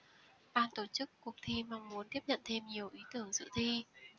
ban tổ chức cuộc thi mong muốn tiếp nhận thêm nhiều ý tưởng dự thi